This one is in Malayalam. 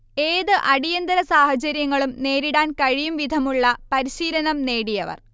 ഏത് അടിയന്തര സാഹചര്യങ്ങളും നേരിടാൻ കഴിയുംവിധമുള്ള പരിശീലനം നേടിയവർ